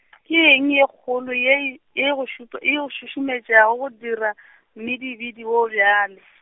ke eng ye kgolo ye e, ye e go šupa, ye o šušumetšago go dira , mmidibidi o bjalo?